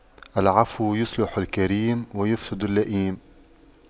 العفو يصلح الكريم ويفسد اللئيم